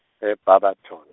e- Barberton.